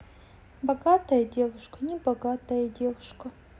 богатая девушка небогатая девушка